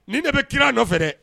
Nin de bɛ kira nɔ nɔfɛ dɛ